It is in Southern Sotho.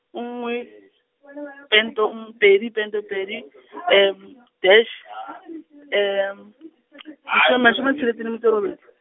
nngwe , pento nngwe pedi, pento pedi, dash , lesho- mashome a tsheletseng le metso e robedi.